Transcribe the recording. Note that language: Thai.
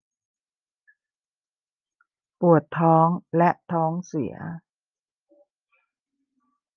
ปวดท้องและท้องเสีย